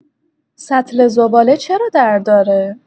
سطل زباله چرا در داره؟